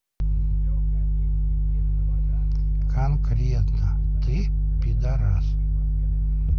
конкретно ты пидарас